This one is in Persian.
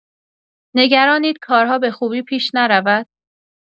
نگرانید کارها به خوبی پیش نرود.